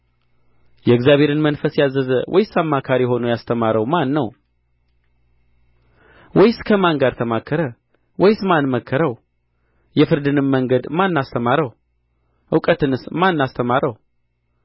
የእግዚአብሔርን መንፈስ ያዘዘ ወይስ አማካሪ ሆኖ ያስተማረው ማን ነው ወይስ ከማን ጋር ተመካከረ ወይስ ማን መከረው የፍርድንም መንገድ ማን አስተማረው እውቀትንስ ማን አስተማረው